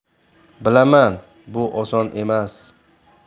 bilaman bu oson emas